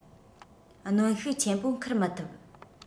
གནོན ཤུགས ཆེན པོ འཁུར མི ཐུབ